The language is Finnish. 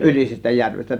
Ylisestä järvestä